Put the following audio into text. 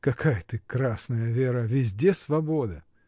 — Какая ты красная, Вера: везде свобода!